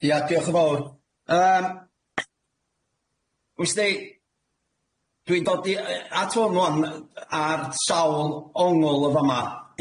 Ia dioch yn fowr yym wst ti dwi'n dod i yy at hwn ŵan yy ar sawl ongl yn fama: